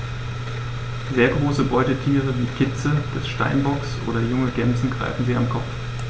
Sehr große Beutetiere wie Kitze des Steinbocks oder junge Gämsen greifen sie am Kopf.